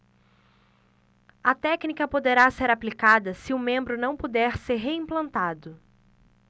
a técnica poderá ser aplicada se o membro não puder ser reimplantado